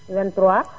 23